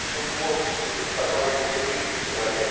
Плотскую, в которой уже были в феврале.